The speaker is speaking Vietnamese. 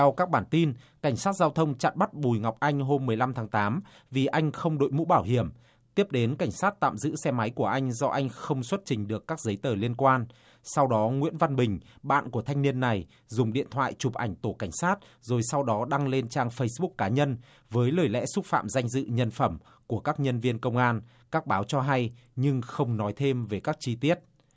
theo các bản tin cảnh sát giao thông chặn bắt bùi ngọc anh hôm mười lăm tháng tám vì anh không đội mũ bảo hiểm tiếp đến cảnh sát tạm giữ xe máy của anh do anh không xuất trình được các giấy tờ liên quan sau đó nguyễn văn bình bạn của thanh niên này dùng điện thoại chụp ảnh tổ cảnh sát rồi sau đó đăng lên trang phây búc cá nhân với lời lẽ xúc phạm danh dự nhân phẩm của các nhân viên công an các báo cho hay nhưng không nói thêm về các chi tiết